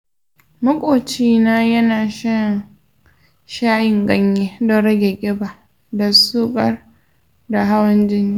maƙoci na yana shan shayin ganyaye don rage ƙiba da saukar da hawan jini.